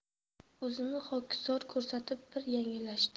o'zini xokisor ko'rsatib bir yanglishdi